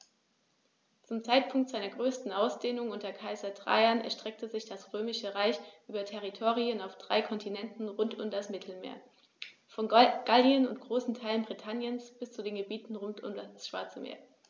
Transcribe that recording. Zum Zeitpunkt seiner größten Ausdehnung unter Kaiser Trajan erstreckte sich das Römische Reich über Territorien auf drei Kontinenten rund um das Mittelmeer: Von Gallien und großen Teilen Britanniens bis zu den Gebieten rund um das Schwarze Meer.